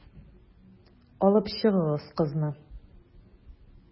Алып чыгыгыз кызны.